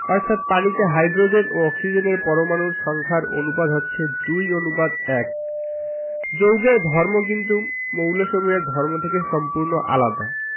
অর্থাৎ পানিতে হাইড্রোজেন ও অক্সিজেনের পরমাণুর সংখ্যার অনুপাত হচ্ছে ২ অনুপাত ১যৌগের ধর্ম কিন্তু মৌলসমূহের ধর্ম থেকে সম্পূর্ণ আলাদা